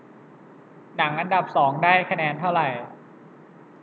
หนังอันดับสองได้คะแนนเท่าไหร่